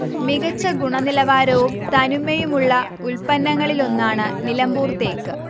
മികച്ച ഗുണനിലവാരവും തനിമയുമുള്ള ഉൽപ്പന്നങ്ങളിലൊന്നാണ് നിലമ്പൂർ തേക്ക്